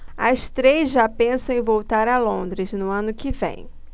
as três já pensam em voltar a londres no ano que vem